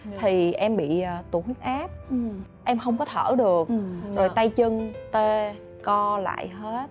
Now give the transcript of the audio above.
thì em bị à tụt huyết áp em hông có thở được rồi tay chân tê co lại hết